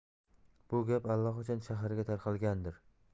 bu gap allaqachon shaharga tarqalgandir